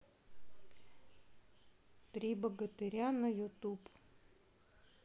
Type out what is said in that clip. три богатыря на ютуб